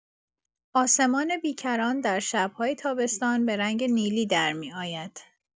آسمان بی‌کران در شب‌های تابستان به رنگ نیلی درمی‌آید.